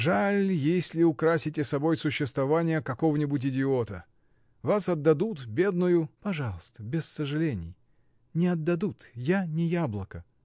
Жаль, если украсите собой существование какого-нибудь идиота. Вас отдадут, бедную. — Пожалуйста, без сожалений! Не отдадут: я — не яблоко.